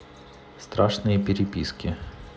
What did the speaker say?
страшные переписки